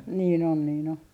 niin on niin on